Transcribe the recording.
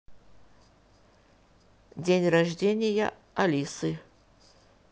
день рождения алисы